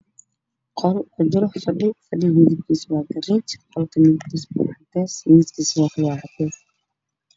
Waa qol uu kujiro fadhi madow ah waxaa saaran barkimo saddexda ah daaqada waa jaalo